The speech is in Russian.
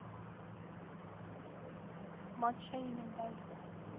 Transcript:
матча и миндаль